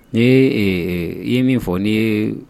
Ee ee i ye min fɔ n ni ye